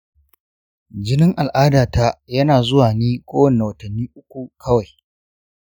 jinin al’adata yana zuwa ne kowane watanni uku kawai.